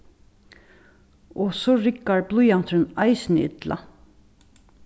og so riggar blýanturin eisini illa